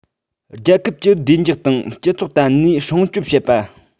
རྒྱལ ཁབ ཀྱི བདེ འཇགས དང སྤྱི ཚོགས བརྟན གནས སྲུང སྐྱོབ བྱེད པ